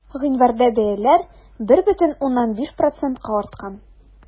Гыйнварда бәяләр 1,5 процентка арткан.